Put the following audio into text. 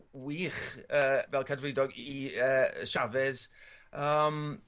wych yy fel cadfridog i yy y Chavez yym.